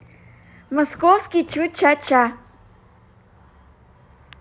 московский чу ча ча